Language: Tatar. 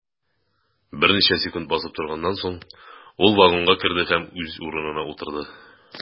Берничә секунд басып торганнан соң, ул вагонга керде һәм үз урынына утырды.